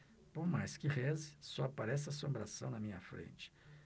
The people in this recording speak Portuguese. por mais que reze só aparece assombração na minha frente